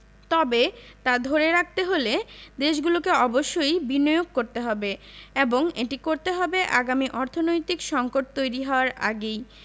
তবে তা ধরে রাখতে হলে দেশগুলোকে অবশ্যই বিনিয়োগ করতে হবে এবং এটি করতে হবে আগামী অর্থনৈতিক সংকট তৈরি হওয়ার আগেই